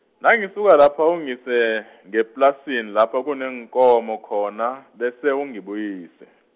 nangisuka lapho ungise, ngeplasini lapha kuneenkomo khona, bese uyangibuyisa.